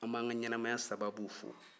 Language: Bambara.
an b'an ka ɲɛnamaya sababuw fo